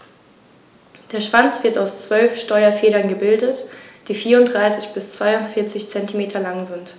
Der Schwanz wird aus 12 Steuerfedern gebildet, die 34 bis 42 cm lang sind.